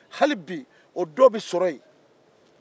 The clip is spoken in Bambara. halibi o dɔw bɛ sɔrɔ yen